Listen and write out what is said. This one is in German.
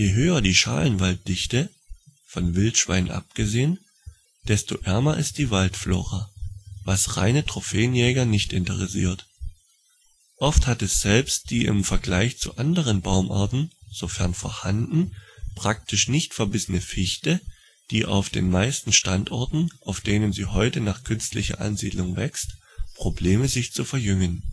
höher die Schalenwilddichte (von Wildschweinen abgesehen), desto ärmer ist die Waldflora - was reine Trophäenjäger nicht interessiert. Oft hat selbst die im Vergleich zu anderen Baumarten (sofern vorhanden) praktisch nicht verbissene Fichte, die auf den meisten Standorten, auf denen sie heute nach künstlicher Ansiedelung wächst, Probleme sich zu verjüngen